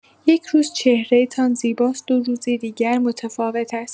یک روز چهره‌تان زیباست و روزی دیگر متفاوت است!